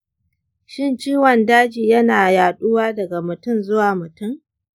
shin ciwon daji yana yaɗuwa daga mutum zuwa mutum?